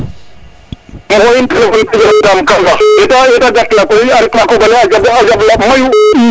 im xoyit telephone koy te xaƴam kam fa te taxu yata gat na koy a ret na koɓale a jaɓ lax mayu